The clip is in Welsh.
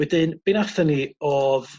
wedyn be' nathan ni odd